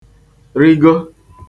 rịgo